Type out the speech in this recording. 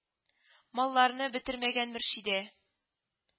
Малларны бетермәгән Мөршидә